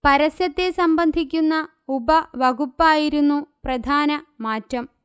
പരസ്യത്തെ സംബന്ധിക്കുന്ന ഉപവകുപ്പായിരുന്നു പ്രധാന മാറ്റം